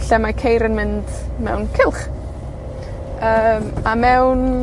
Lle mae ceir yn mynd mewn cylch. Yym, a mewn